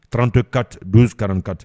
Tranteka donkaranka